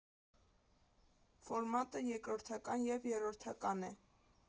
Ֆորմատը երկրորդական և երրորդական է։